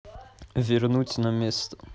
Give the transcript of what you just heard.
вернуть все на место